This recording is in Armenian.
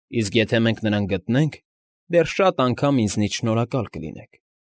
Իսկ եթե մենք նրան գտնենք, դեռ շատ անգամ ինձնից շնորհակալ կլինեք։